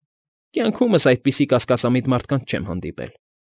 Կյանքումս այսպիսի կասկածամիտ մարդկանց չեմ հանիդպել։